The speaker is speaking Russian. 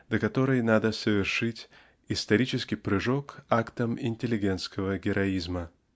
до которой надо совершить исторический прыжок актом интеллигентского героизма.